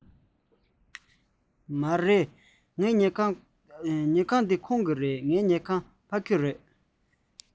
མ རེད ཉལ ཁང འདི ཁོང གི རེད ངའི ཉལ ཁང ཕ གི རེད